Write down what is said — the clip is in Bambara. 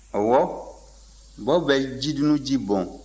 ɔwɔ baw bɛ jidunu ji bɔn